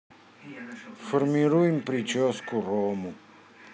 формируем прическу рому